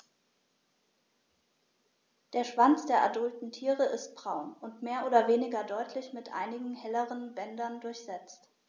Der Schwanz der adulten Tiere ist braun und mehr oder weniger deutlich mit einigen helleren Bändern durchsetzt.